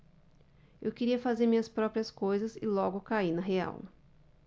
eu queria fazer minhas próprias coisas e logo caí na real